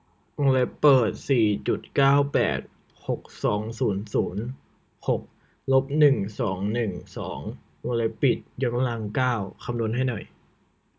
วงเล็บเปิดสี่จุดเก้าแปดหกสองศูนย์ศูนย์หกลบหนึ่งสองหนึ่งสองวงเล็บปิดยกกำลังเก้าคำนวณให้หน่อย